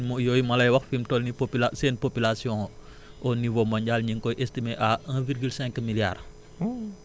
mange mil mooy yooyu ma lay wax fim toll nii popula seen population au niveau mondial ñu ngi koy estimée à un virgule cinq milliards